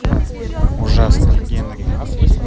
ужасный генри